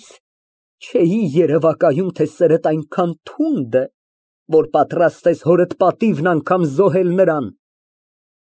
Բայց չէի երևակայում, թե սերդ այնքան թունդ է, որ պատրաստ ես հորդ պատիվն անգամ զոհել նրան։